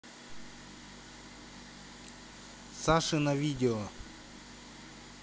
сашино видео